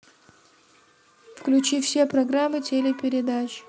включи все программы телепередач